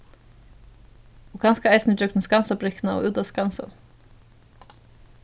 og kanska eisini gjøgnum skansabrekkuna og út á skansan